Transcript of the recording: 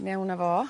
mewn â fo